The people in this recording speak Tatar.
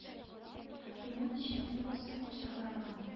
Ремонт өчен миллион сум акча каралган